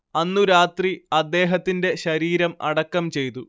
അന്നു രാത്രി അദ്ദേഹത്തിന്റെ ശരീരം അടക്കം ചെയ്തു